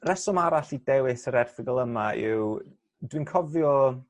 rheswm arall i dewis yr erthygl yma yw dwi'n cofio